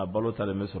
A balo salen bɛ sɔrɔ